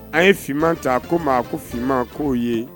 A ye fman ta a ko ma ko fma k'o ye